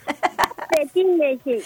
Se' m ten